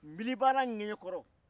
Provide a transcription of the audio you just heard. n biliba la n'gɛɲɛkɔrɔ